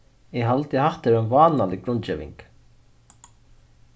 eg haldi at hatta er ein vánalig grundgeving